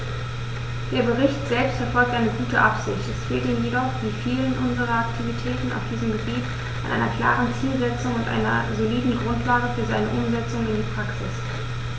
Der Bericht selbst verfolgt eine gute Absicht, es fehlt ihm jedoch wie vielen unserer Aktivitäten auf diesem Gebiet an einer klaren Zielsetzung und einer soliden Grundlage für seine Umsetzung in die Praxis.